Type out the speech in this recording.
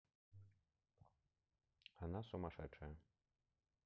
она сумасшедшая